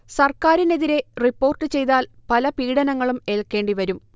സർക്കാരിനെതിരെ റിപ്പോർട്ട് ചെയ്താൽ പല പീഡനങ്ങളും ഏൽക്കേണ്ടിവരും